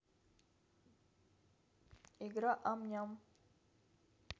игра ам ням